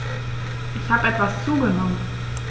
Ich habe etwas zugenommen